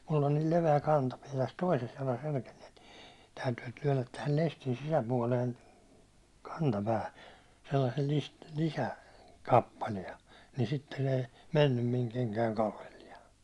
minulla on niin leveä kantapää tässä toisessa jalassa etenkin täytyy työntää tähän lestin sisäpuolen kantapäähän sellaisella -- lisäkappale niin sitten ei mennyt minun kenkäni kallelleen